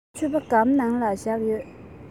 ངའི ཕྱུ པ སྒམ ནང ལ བཞག ཡོད